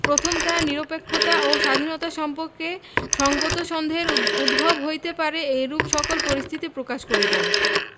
প্রথম তাহার নিরপেক্ষতা ও স্বাধীনতা সম্পর্কে সঙ্গত সন্দেহের উদ্ভব হইতে পারে এইরূপ সকল পরিস্থিতি প্রকাশ করিবেন